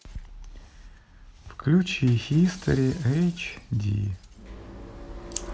включи хистори эйч ди